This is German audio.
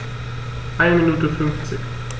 Eine Minute 50